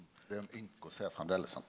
det er ein å sjå framleis sant?